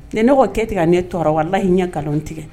Ni ne ka kɛ tigɛ ne tɔɔrɔ walalahi ɲɛ nkalon tigɛ